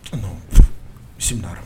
Non . bisimilahi rahamani rahiim .